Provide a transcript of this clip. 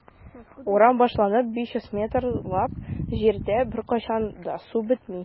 Урам башланып 500 метрлап җирдә беркайчан да су бетми.